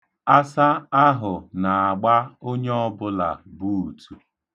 Asa ahụ na-agba onye ọbụla buutu.